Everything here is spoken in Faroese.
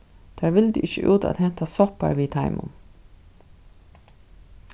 tær vildu ikki út at henta soppar við teimum